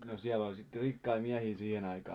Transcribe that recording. no siellä oli sitten rikkaita miehiä siihen aikaa